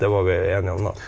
det var vi enig om da.